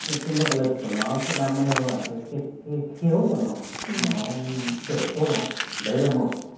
cái nội lực của nó sự đam mê và cái cái khiếu của nó nó chưa được tốt lắm đấy là một